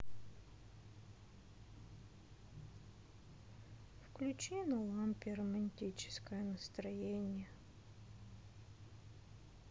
включи на лампе романтическое настроение